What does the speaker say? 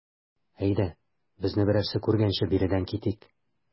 Әйдә, безне берәрсе күргәнче биредән китик.